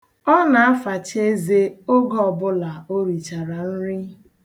Ọ na-afacha eze oge ọbụla o richara nri.